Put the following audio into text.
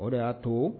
O de y'a to